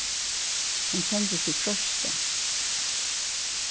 hon kendi seg kroysta